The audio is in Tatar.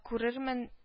Күрермен